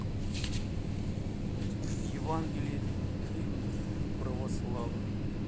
евангелие для детей мультфильм православный